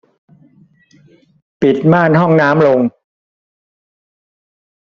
ปิดม่านห้องน้ำลง